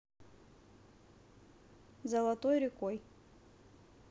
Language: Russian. золотой рекой